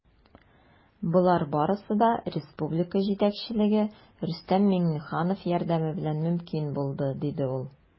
Болар барысы да республика җитәкчелеге, Рөстәм Миңнеханов, ярдәме белән мөмкин булды, - диде ул.